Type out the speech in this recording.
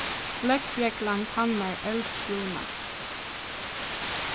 løgreglan kannar eldsbruna